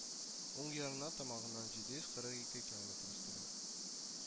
Уң ярына тамагыннан җиде йөз кырык ике километр өстәрәк